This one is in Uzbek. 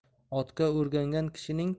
otga o'igangan kishining